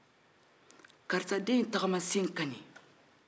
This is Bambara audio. karisa den in tagamasen kaɲi